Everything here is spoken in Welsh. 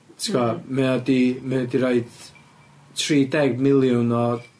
t'gwo', mae o 'di, mae o 'di roid tri deg miliwn o